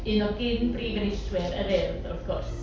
Un o'r gyn-brif enillwyr yr Urdd wrth gwrs.